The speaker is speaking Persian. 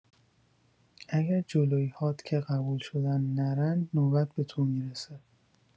اگه جلویی‌هات که قبول شدن نرن نوبت به تو می‌رسه